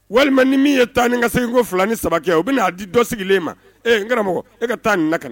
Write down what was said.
Walima ni min ye tan ni ka se ko fila ni saba kɛ o bɛ'a di dɔ sigilen ma ee n karamɔgɔ e ka taa nin na kɛnɛ